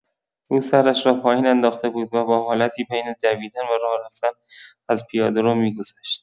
او سرش را پایین انداخته بود و با حالتی بین دویدن و راه‌رفتن از پیاده‌رو می‌گذشت.